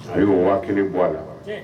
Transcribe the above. A' waati kelen bɔ a la